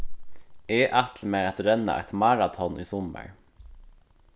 eg ætli mær at renna eitt maraton í summar